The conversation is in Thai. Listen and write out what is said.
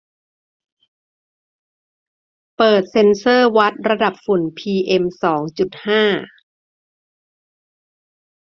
เปิดเซ็นเซอร์วัดระดับฝุ่นพีเอ็มสองจุดห้า